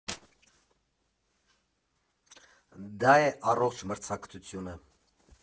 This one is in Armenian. Դա է առողջ մրցակցությունը։